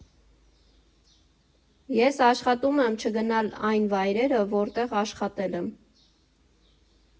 Ես աշխատում եմ չգնալ այն վայրերը, որտեղ աշխատել եմ։